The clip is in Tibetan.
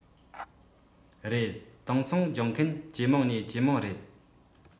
རེད དེང སང སྦྱོང མཁན ཇེ མང ནས ཇེ མང རེད